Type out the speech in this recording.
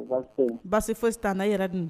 Basi foyi